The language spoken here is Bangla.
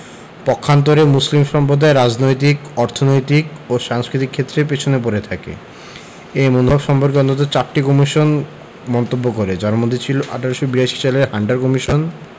পক্ষান্তরে মুসলিম সম্প্রদায় রাজনৈতিক অর্থনৈতিক ও সাংস্কৃতিক ক্ষেত্রে পেছনে পড়ে থাকে এ মনোভাব সম্পর্কে অন্তত চারটি কমিশন মন্তব্য করে যার মধ্যে ছিল ১৮৮২ সালের হান্টার কমিশন